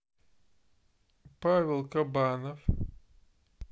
павел кабанов